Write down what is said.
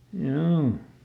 joo